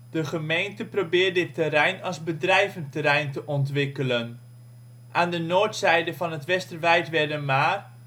De gemeente probeert dit terrein als bedrijventerrein te ontwikkelen. Aan de noordzijde van het Westerwijdwedermaar